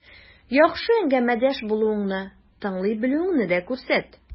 Яхшы әңгәмәдәш булуыңны, тыңлый белүеңне дә күрсәт.